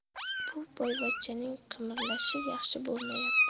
bu boyvachchaning qimirlashi yaxshi bo'lmayapti